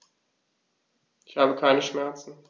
Ich habe keine Schmerzen.